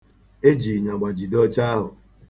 E ji ịnyagba jide oche ahụ.